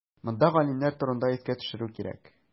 Монда галимнәр турында искә төшерү кирәк.